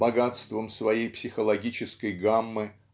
богатством своей психологической гаммы